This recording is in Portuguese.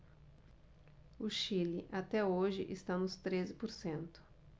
o chile até hoje está nos treze por cento